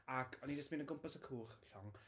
Ac o'n i jyst mynd y gwmpas y cwch... llong...